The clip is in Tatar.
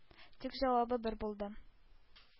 Тик җавабы бер булды: